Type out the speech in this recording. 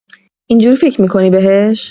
اینجوری فکر می‌کنی بهش؟